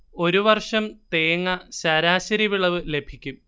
ഒരു വർഷം തേങ്ങ ശരാശരി വിളവ് ലഭിക്കും